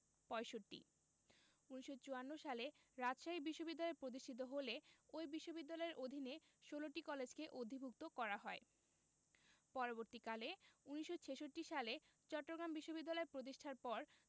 ৬৫ ১৯৫৪ সালে রাজশাহী বিশ্ববিদ্যালয় প্রতিষ্ঠিত হলে ওই বিশ্ববিদ্যালয়ের অধীনে ১৬টি কলেজকে অধিভুক্ত করা হয় পরবর্তীকালে ১৯৬৬ সালে চট্টগ্রাম বিশ্ববিদ্যালয় প্রতিষ্ঠার পর